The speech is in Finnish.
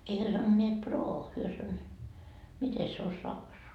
ei he sanoneet proo he - miten se on saksaa